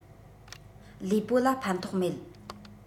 ལུས པོ ལ ཕན ཐོགས མེད